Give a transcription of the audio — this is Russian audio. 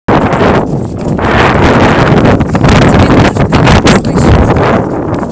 тебе тоже приятно слышать